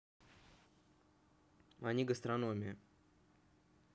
они гастрономия